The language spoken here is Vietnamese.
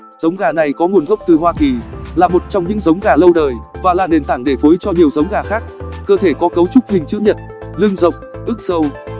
giống gà này có nguồn gốc từ hoa kỳ là một trong những giống gà lâu đời và là nền tảng để phối cho nhiều giống gà khác cơ thể có cấu trúc hình chữ nhật lưng rộng ức sâu